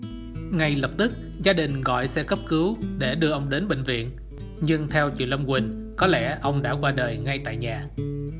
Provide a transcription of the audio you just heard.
ngay lập tức gia đình gọi xe cấp cứu để đưa ông đến bệnh viện nhưng theo chị lâm quỳnh có lẽ ông đã qua đời ngay tại nhà